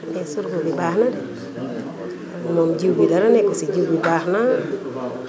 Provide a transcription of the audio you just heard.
seen sorgho bi baax na moom jiwu bi dara nekku si jiwu bi baax na